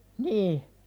niin